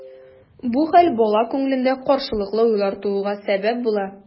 Бу хәл бала күңелендә каршылыклы уйлар тууга сәбәп була.